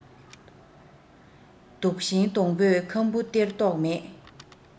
དུག ཤིང སྡོང པོས ཁམ བུ སྟེར མདོག མེད